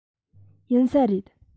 ཡིན ས རེད